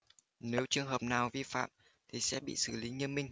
nếu trường hợp nào vi phạm thì sẽ bị xử lý nghiêm minh